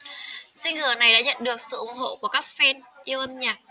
single này đã nhận được sự ủng hộ của các fan yêu âm nhạc